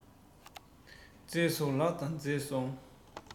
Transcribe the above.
མཛེས སོང ལགས དང མཛེས སོང